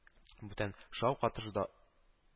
Бүтән шау-катышдау